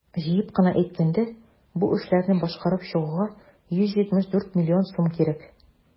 Җыеп кына әйткәндә, бу эшләрне башкарып чыгуга 174 млн сум кирәк.